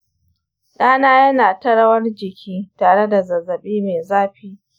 ɗana yana ta rawar jiki tare da zazzabi mai zafi